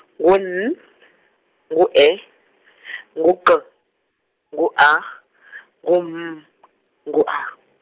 ngu N , ngu E , ngu G, ngu A , ngu M , ngu A.